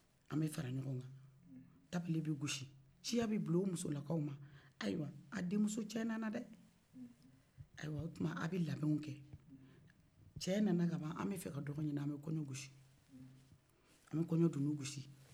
an bɛ fara ɲɔgɔn kan tabale bɛ gosi ci bɛ bila o musolakaw ayiwa a denmuso cɛ nana dɛ ayiwa o tuma a bɛ labɛnw kɛ cɛ nana ka ban an bɛ fɛ ka dɔgɔ ɲini an bɛ kɔɲɔ gosi an bɛ kɔɲɔ dununba gosi